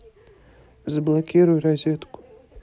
заблокируй розетку